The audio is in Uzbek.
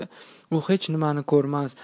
u hech nimani ko'rmas